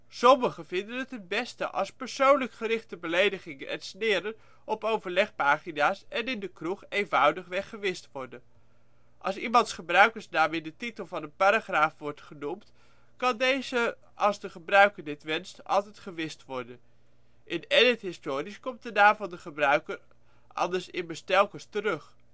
Sommigen vinden het het beste, als persoonlijk gerichte beledigingen en sneren op overlegpagina 's en in de kroeg eenvoudigweg gewist worden. Als iemands gebruikersnaam in de titel van een paragraaf wordt genoemd, kan deze als de gebruiker dit wenst altijd gewist worden. In edit histories komt de naam van de gebruiker anders immers telkens terug